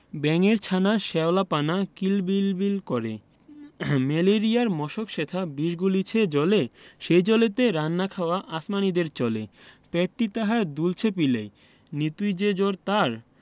ব্যাঙের ছানা শ্যাওলা পানা কিল বিল বিল করে ম্যালেরিয়ার মশক সেথা বিষ গুলিছে জলে সেই জলেতে রান্না খাওয়া আসমানীদের চলে পেটটি তাহার দুলছে পিলেয় নিতুই যে জ্বর তার